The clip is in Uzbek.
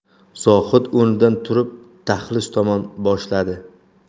zohid o'rnidan turib dahliz tomon boshladi